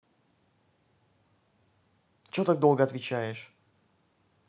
че так долго отвечаешь